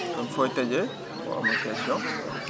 kon fooy tëjee boo amul question